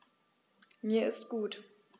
Mir ist gut.